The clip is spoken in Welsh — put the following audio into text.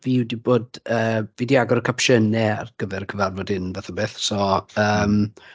Fi wedi bod yy... fi 'di agor y capsiynau ar gyfer y cyfarfod hyn fath o beth, so ymm...